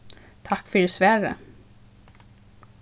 takk fyri svarið